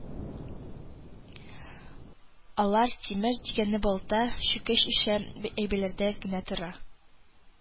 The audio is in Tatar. Алар тимер дигәнне балта, чүкеч ише әйберләрдә генә була